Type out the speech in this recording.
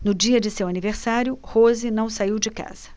no dia de seu aniversário rose não saiu de casa